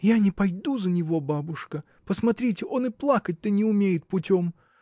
— Я не пойду за него, бабушка: посмотрите, он и плакать-то не умеет путем!